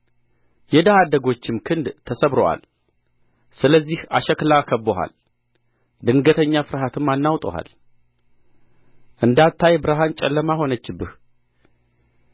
የድሀ አደጎችም ክንድ ተሰብሮአል ስለዚህ አሽክላ ከብቦሃል ድንገተኛ ፍርሃትም አናውጦሃል እንዳታይ ብርሃን ጨለማ ሆነችብህ